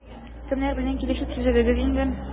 Кемнәр белән килешү төзедегез инде?